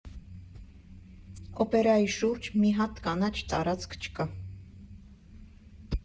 Օպերայի շուրջ մի հատ կանաչ տարածք չկա։